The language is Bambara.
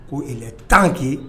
Ko e tanke